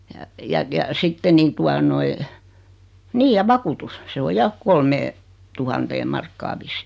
ja ja ja sitten niin tuota noin niin ja vakuutus se on ja - kolmeentuhanteen markkaan vissiin